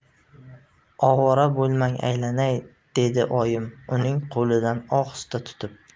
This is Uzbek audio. ovora bo'lmang aylanay dedi oyim uning qo'lidan ohista tutib